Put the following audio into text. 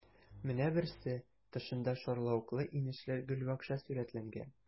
Менә берсе: тышында шарлавыклы-инешле гөлбакча сурәтләнгән.